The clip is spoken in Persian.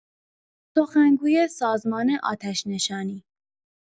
سخنگوی سازمان آتش‌نشانی